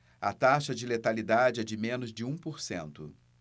a taxa de letalidade é de menos de um por cento